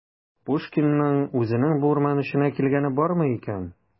Пушкинның үзенең бу урман эченә килгәне бармы икән?